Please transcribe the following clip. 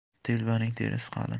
telbaning terisi qalin